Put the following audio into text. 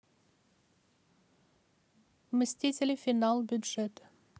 мстители финал бюджет